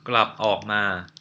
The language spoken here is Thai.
กลับออกมา